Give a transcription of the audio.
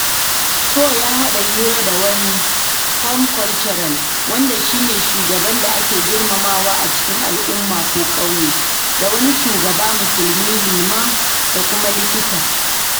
Sow ya haɗa hira da wani “homme culturel,” wanda shi ne shugaban da ake girmamawa a cikin al’umma ko ƙauye, da wani shugaba Musulmi (liman) da kuma likita.